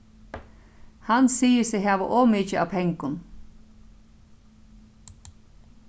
hann sigur seg hava ovmikið av pengum